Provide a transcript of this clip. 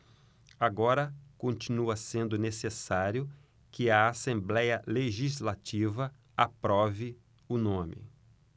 agora continua sendo necessário que a assembléia legislativa aprove o nome